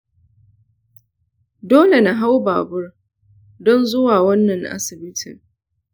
dole na hau babur don zuwa wannan asibitin.